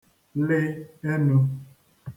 lị enū